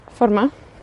ffor 'ma.